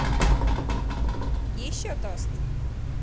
еще тост